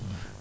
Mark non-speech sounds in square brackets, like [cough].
[hesitation] [hesitation]